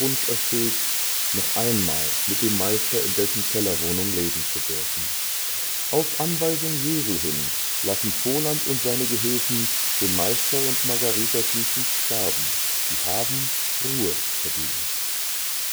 Wunsch erfüllt, noch einmal mit dem Meister in dessen Kellerwohnung leben zu dürfen. Auf Anweisung Jesu hin lassen Voland und seine Gehilfen den Meister und Margarita schließlich sterben; sie haben „ Ruhe verdient